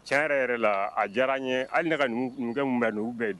Cɛ yɛrɛ yɛrɛ la a diyara n ye hali nɛgɛ ka bɛn n' bɛɛ don